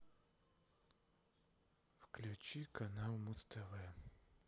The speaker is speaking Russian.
включи канал муз тв